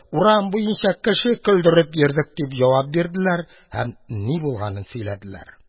Урам буенча кеше көлдереп йөрдек, – дип җавап бирделәр һәм ни булганын сөйләделәр.